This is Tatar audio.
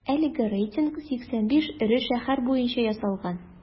Әлеге рейтинг 85 эре шәһәр буенча ясалган.